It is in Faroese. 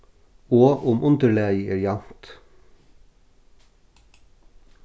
og um undirlagið er javnt